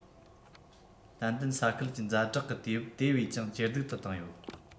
ཏན ཏན ས ཁུལ གྱི ཛ དྲག གི དུས བབ དེ བས ཀྱང ཇེ སྡུག ཏུ བཏང ཡོད